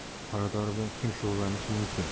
qoradori bilan kim shug'ullanishi mumkin